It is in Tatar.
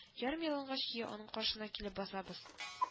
Ярым ялангач көе аның каршына килеп басабыз